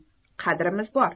qadrimiz bor